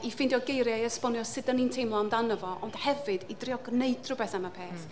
I ffeindio geiriau i esbonio sut dan ni'n teimlo amdano fo, ond hefyd i drio gwneud hywbeth am y peth... m-hm.